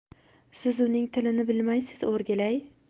siz uning tilini bilmaysiz o'rgilay